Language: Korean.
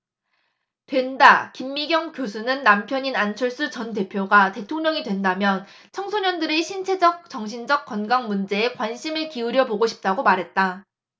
된다 김미경 교수는 남편인 안철수 전 대표가 대통령이 된다면 청소년들의 신체적 정신적 건강 문제에 관심을 기울여 보고 싶다고 말했다